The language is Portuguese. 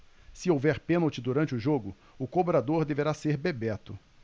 se houver pênalti durante o jogo o cobrador deverá ser bebeto